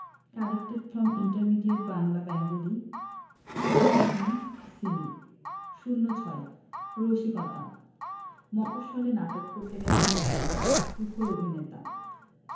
collected from intermediate Bangla Bengali Clinton বি সিলি ০৬ রসিকতা মফশ্বলে নাটক করতে গেছে ঢাকার এক তুখোর অভিনেতা নাটকের এক